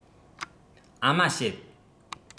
ཨ མ བྱེད